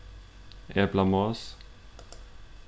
eplamos